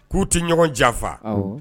K'u tI ɲɔgɔn janfa awɔ